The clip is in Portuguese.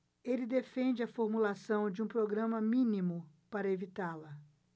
ele defende a formulação de um programa mínimo para evitá-la